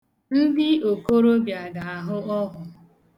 Ndị okorobia ga-ahụ ọhụ.